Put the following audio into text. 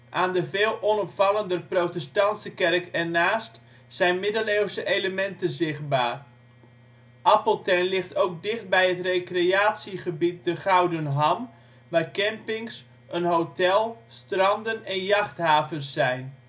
Aan de veel onopvallender protestantse kerk ernaast zijn middeleeuwse elementen zichtbaar. Appeltern ligt ook dicht hij het recratiegebied de Gouden Ham waar campings, een hotel, stranden en jachthavens zijn